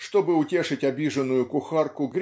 чтобы утешить обиженную кухарку